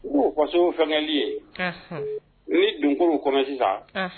U o kɔso o fɛnli ye u ye donw kɔ sisan